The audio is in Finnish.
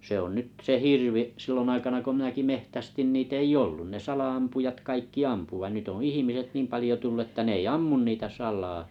se on nyt se hirvi silloin aikana kun minäkin metsästin niitä ei ollut ne sala-ampujat kaikki ampui vaan nyt on ihmiset niin paljon tullut että ne ei ammu niitä salaa